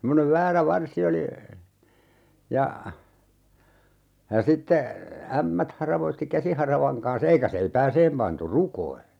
semmoinen väärä varsi oli ja ja sitten ämmät haravoi käsiharavan kanssa eikä seipääseen pantu rukoihin